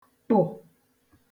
-kpụ̀